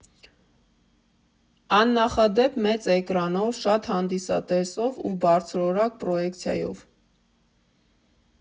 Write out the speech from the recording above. Աննախադեպ մեծ էկրանով, շատ հանդիսատեսով ու բարձրորակ պրոյեկցիայով։